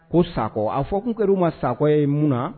Ko sakɔ a fɔkun kɛrar u ma sakɔ ye mun na